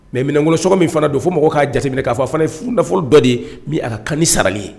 Mɛ minɛngolo min fana don fɔ mɔgɔ k'a jateminɛ k'a fɔ fana ye f nafolo dɔ de ye a ka kan sara ye